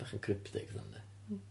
Bach yn cryptic .